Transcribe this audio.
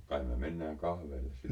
kai me mennään kahville sinne